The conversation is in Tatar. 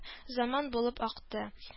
Заман булып акты